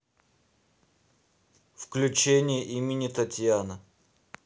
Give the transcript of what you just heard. включение имени татьяна